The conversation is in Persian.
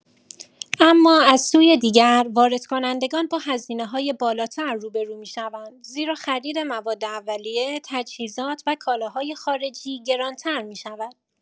اما از سوی دیگر واردکنندگان با هزینه‌های بالاتر روبه‌رو می‌شوند، زیرا خرید مواد اولیه، تجهیزات و کالاهای خارجی گران‌تر می‌شود.